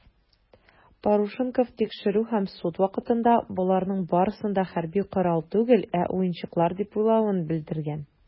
Парушенков тикшерү һәм суд вакытында, боларның барысын да хәрби корал түгел, ә уенчыклар дип уйлавын белдергән.